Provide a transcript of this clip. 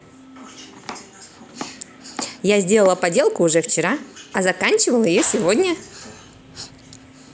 я сделала поделку уже вчера а заканчивал ее сегодня